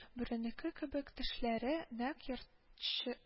Бүренеке кебек тешләре, нәкъ ерткчы